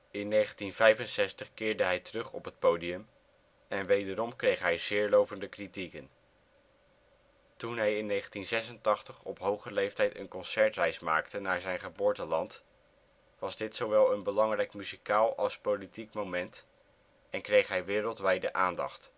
1965 keerde hij terug op het podium en wederom kreeg hij zeer lovende kritieken. Toen hij in 1986 op hoge leeftijd een concertreis maakte naar zijn geboorteland, was dit zowel een belangrijk muzikaal als politiek moment en kreeg hij wereldwijde aandacht